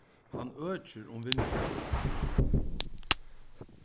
hann økir um vindin